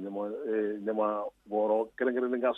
Ɲama d e ɲamanbɔrɔ kelen-kelen be n ka s